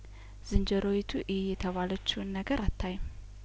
ዝንጀሮዪቱ እዪ የተባለችውን ነገር አታይም